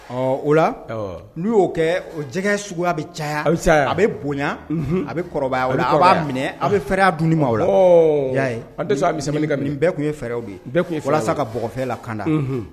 Ɔ o la n'u y'o kɛ jɛgɛ suguya bɛ caya caya a bɛ bonya a bɛ kɔrɔbaya aw b'a minɛ aw bɛ fɛya dun ma laa aw de asa ka bɛɛ tun ye fɛɛrɛw ye bɛɛ tunla sa ka bɔgɔɔfɛ la kanda